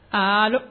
Haa